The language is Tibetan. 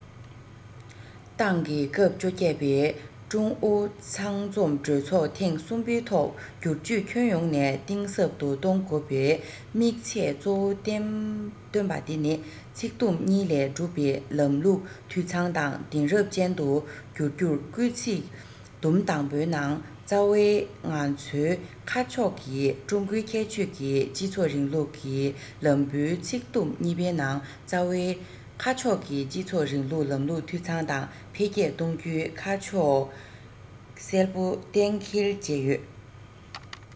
ཏང གི སྐབས བཅོ བརྒྱད པའི ཀྲུང ཨུ ཚང འཛོམས གྲོས ཚོགས ཐེངས གསུམ པའི ཐོག སྒྱུར བཅོས ཁྱོན ཡོངས ནས གཏིང ཟབ ཏུ གཏོང དགོས པའི དམིགས ཚད གཙོ བོ བཏོན པ དེ ནི ཚིག དུམ གཉིས ལས གྲུབ པའི ལམ ལུགས འཐུས ཚང དང དེང རབས ཅན དུ འགྱུར རྒྱུར སྐུལ ཚིག དུམ དང པོའི ནང རྩ བའི ང ཚོའི ཁ ཕྱོགས ནི ཀྲུང གོའི ཁྱད ཆོས ཀྱི སྤྱི ཚོགས རིང ལུགས ཀྱི ལམ བུའི ཚིག དུམ གཉིས པའི ནང རྩ བའི ཁ ཕྱོགས ཀྱི སྤྱི ཚོགས རིང ལུགས ལམ ལུགས འཐུས ཚང དང འཕེལ རྒྱས གཏོང རྒྱུའི ཁ ཕྱོགས གསལ པོ གཏན འཁེལ བྱས ཡོད